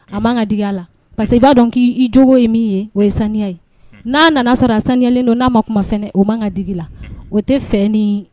A man ka digiya la paseke i b'a dɔn k'i i jo ye min ye o ye saniya ye n'a nana sɔrɔ a saniyalen don n'a ma kuma o man ka digi la o tɛ fɛ ni